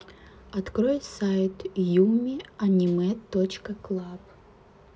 открой сайт yummy anime точка club